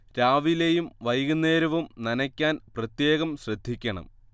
രാവിലെയും വൈകുന്നേരവും നനക്കാൻ പ്രത്യേകം ശ്രദ്ധിക്കണം